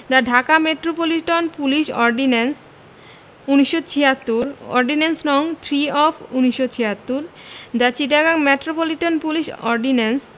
The Dhaka metropolitan police ordinance ১৯৭৬ ordinance. নং. Three of ১৯৭৬ the Chittagong metropolitan police ordinance